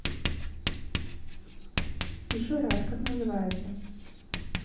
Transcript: еще раз как называется